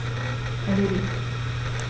Erledigt.